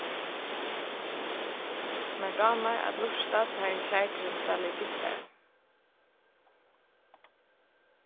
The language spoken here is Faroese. mær dámar at lurta tá ið sjeikurin spælir gittara